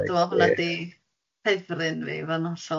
Dwi'n meddwl hwnna di ffefryn fi i fod yn hollol onest.